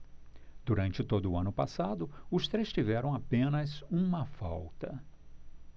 durante todo o ano passado os três tiveram apenas uma falta